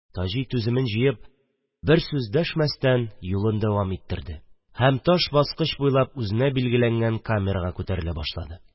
Таҗи, түземен җыеп, бер сүз дәшмәстән, юлын давам иттерде һәм таш баскыч буйлап үзенә билгеләнгән камерага күтәрелә башлады.